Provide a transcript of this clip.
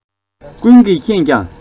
ཀུན གྱིས མཁྱེན ཀྱང